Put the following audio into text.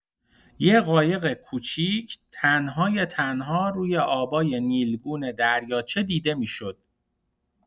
یه قایق کوچیک تن‌های تنها روی آبای نیلگون دریاچه دیده می‌شد.